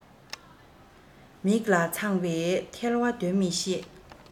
མིག ལ འཚངས པའི ཐལ བ འདོན མི ཤེས